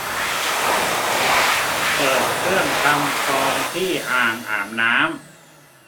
เปิดเครื่องทำฟองที่อ่างอาบน้ำ